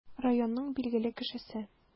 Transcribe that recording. Районның билгеле кешесе.